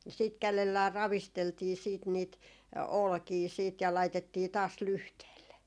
sitten kädellään ravisteltiin sitten niitä olkia sitten ja laitettiin taas lyhteelle